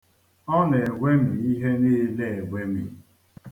Ọ na-ewemi ihe niile ewemi.